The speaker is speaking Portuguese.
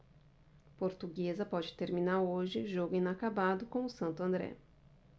portuguesa pode terminar hoje jogo inacabado com o santo andré